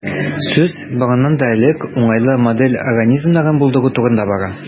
Сүз, барыннан да элек, уңайлы модель организмнарын булдыру турында бара.